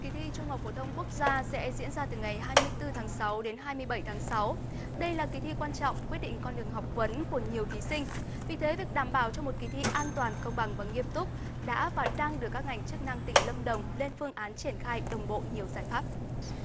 kỳ thi trung học phổ thông quốc gia sẽ diễn ra từ ngày hai mươi tư tháng sáu đến hai mươi bảy tháng sáu đây là kỳ thi quan trọng quyết định con đường học vấn của nhiều thí sinh vì thế việc đảm bảo cho một kỳ thi an toàn công bằng và nghiêm túc đã và đang được các ngành chức năng tỉnh lâm đồng lên phương án triển khai đồng bộ nhiều giải pháp